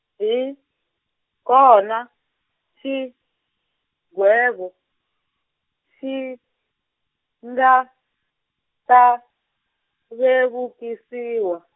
hi, kona, xigwevo, xi, nga, ta, vevukisiwa.